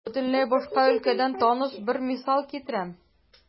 Бөтенләй башка өлкәдән таныш бер мисал китерәм.